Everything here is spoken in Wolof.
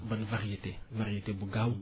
ba variété variété bu gaaw